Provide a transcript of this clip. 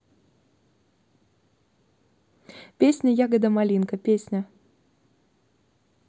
песня ягода малинка песня